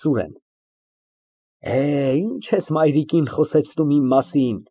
ՍՈՒՐԵՆ ֊ Էհ, ինչ ես մայրիկին խոսեցնում իմ մասին։